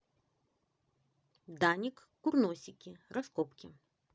даник курносики раскопки